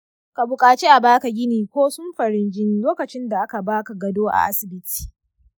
ka bukaci a baka gini ko samfurin jini lokacinda aka baka gado a asibiti?